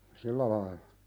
sillä lailla